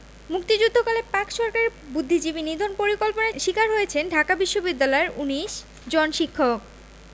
মুক্তিযুদ্ধকালে পাক সরকারের বুদ্ধিজীবী নিধন পরিকল্পনার শিকার হয়েছেন ঢাকা বিশ্ববিদ্যাপলয়ের ১৯ জন শিক্ষক